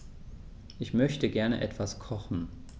Ich möchte gerne etwas kochen.